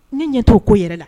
Ne ɲɛ t'o ko yɛrɛ la